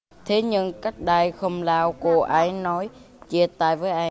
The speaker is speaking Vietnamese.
thế nhưng cách đây không lâu cô ấy nói chia tay với em